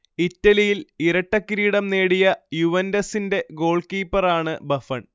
ഇറ്റലിയിൽ ഇരട്ടക്കിരീടം നേടിയ യുവന്റസിന്റെ ഗോൾകീപ്പറാണ് ബഫൺ